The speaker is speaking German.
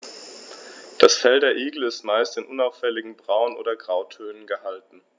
Das Fell der Igel ist meist in unauffälligen Braun- oder Grautönen gehalten.